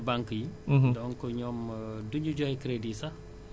mais mën nañu ne si banques yi tamit dañu lëkkale ak assurance